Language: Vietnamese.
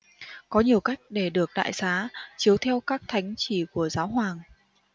có nhiều cách để được đại xá chiếu theo các thánh chỉ của giáo hoàng